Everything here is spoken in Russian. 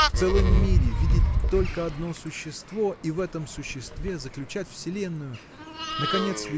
в целом мире видеть только одно существо и в этом существе заключать вселенную. Наконец